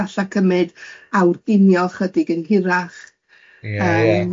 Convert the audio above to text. Falla cymyd awr ginio ychydig yn hirach. Ie ie ie.